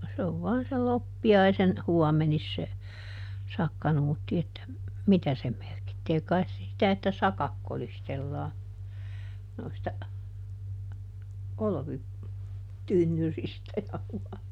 se on se on vain sen loppiaisen huomenissa se sakkanuutti että mitä se merkitsee kai se sitä että sakat kolistellaan noista - olvitynnyreistä ja -